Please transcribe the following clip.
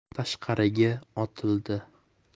tashqariga otildi